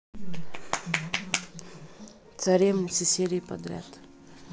царевны все серии подряд